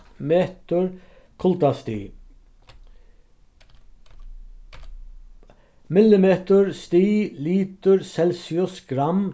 metur kuldastig millimetur stig litur celsius gramm